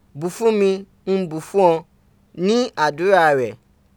Bù fún mi, ń bù fún ọ ní àdúrà rẹ.